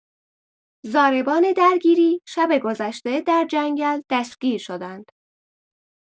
ضاربان درگیری شب گذشته در جنگل دستگیر شدند.